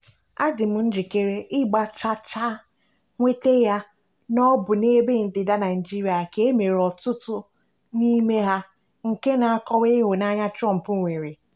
Adị m njikere ịgba chaa chaa nweta ya na ọ bụ n'ebe ndịda Naịjirịa ka e mere ọtụtụ n'ime ha, nke na-akọwa ịhụnanya Trump nwere.